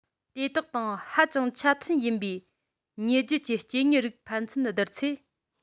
དེ དག དང ཧ ཅང ཆ མཐུན ཡིན པའི ཉེ རྒྱུད ཀྱི སྐྱེ དངོས རིགས ཕན ཚུན བསྡུར ཚེ